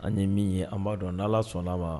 An ye min ye an b'a dɔn ala sɔnna wa